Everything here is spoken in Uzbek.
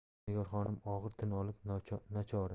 qutlug' nigor xonim og'ir tin olib nachora